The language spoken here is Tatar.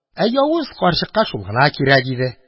Явыз карчыкка шул гына кирәк иде